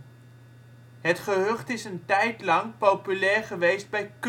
gehucht is een tijdlang populair geweest bij kunstenaars